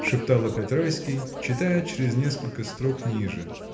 — шептал опять Райский, читая чрез несколько строк ниже.